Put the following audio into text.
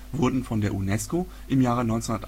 wurden von der UNESCO im Jahre 1980